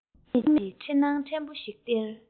སྔར མེད ཀྱི བདེ སྣང ཕྲན བུ ཞིག སྟེར